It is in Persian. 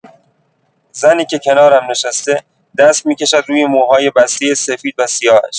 زنی که کنارم نشسته، دست می‌کشد روی موهای بستۀ سفیدوسیاهش.